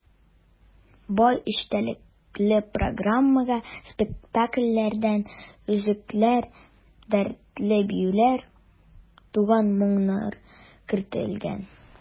Бай эчтәлекле программага спектакльләрдән өзекләр, дәртле биюләр, туган моңнар кертелгән.